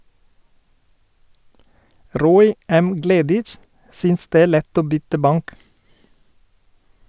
Roy M. Gleditsch synes det er lett å bytte bank.